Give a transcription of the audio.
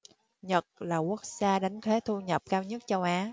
nhật là quốc gia đánh thuế thu nhập cao nhất châu á